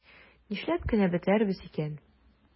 Нишләп кенә бетәрбез икән?